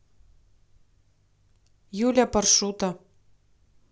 юля паршута